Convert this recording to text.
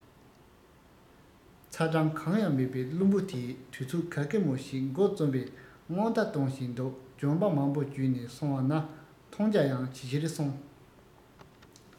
ཚ གྲང གང ཡང མེད པའི རླུང བུ དེས དུས ཚོད ག གེ མོ ཞིག མགོ རྩོམ བའི སྔོན བརྡ གཏོང བཞིན འདུག ལྗོན པ མང པོ བརྒྱུད ནས སོང བ ན མཐོང རྒྱ ཡང ཇེ ཆེར སོང